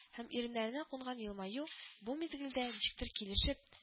Һәм иреннәренә кунган елмаю бу мизгелдә ничектер килешеп